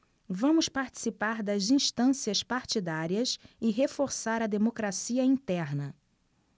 vamos participar das instâncias partidárias e reforçar a democracia interna